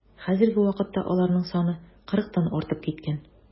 Хәзерге вакытта аларның саны кырыктан артып киткән.